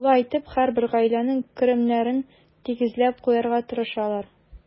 Шулай итеп, һәрбер гаиләнең керемнәрен тигезләп куярга тырышалар.